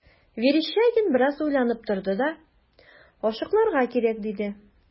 Верещагин бераз уйланып торды да: – Ачыкларга кирәк,– диде.